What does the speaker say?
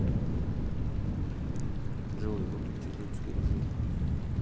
джой выключи детский режим